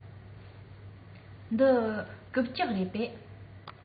འདི རྐུབ བཀྱག རེད པས